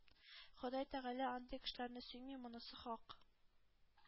Ходай тәгалә андый кешеләрне сөйми, монысы хак.